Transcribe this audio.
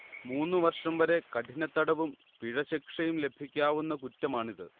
മൂന്നുവർഷം വരെ കഠിനതടവും പിഴശിക്ഷയും ലഭിക്കാവുന്ന കുറ്റമാണിത്